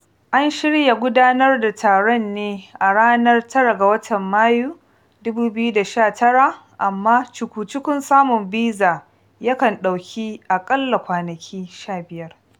A ranar da ya kamata ace na tafi ƙasar Portugal, har a sannan ban karɓi fasfo ba...